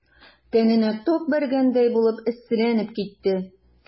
Тәненә ток бәргәндәй булып эсселәнеп китте.